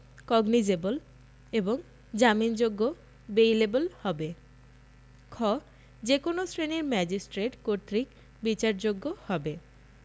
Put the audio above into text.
cognizable এবং জামিনযোগ্য bailable হবে খ যে কোন শ্রেণীর ম্যাজিস্ট্রেট কর্তৃক বিচারযোগ্য হবে